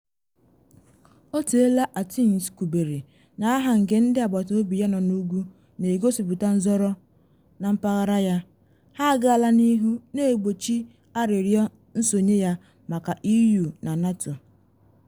Oteela Athens kwubere na aha nke ndị agbataobi ya nọ n’ugwu na egosipụta nzọrọ na mpaghara ya, ha agaala n’ihu na egbochi arịrịọ nsonye ya maka EU na NATO.